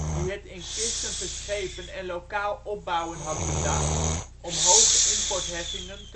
die het in kisten verschepen en lokaal opbouwen had bedacht om hoge importheffingen